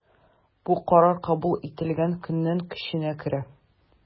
Бу карар кабул ителгән көннән көченә керә.